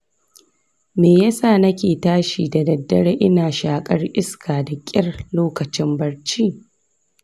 me yasa nake tashi da daddare ina shakar iska da ƙyar lokacin barci?